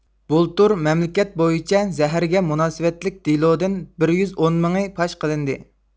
بۇلتۇر مەملىكەت بويىچە زەھەرگە مۇناسىۋەتلىك دېلودىن بىر يۈز ئونمىڭى پاش قىلىندى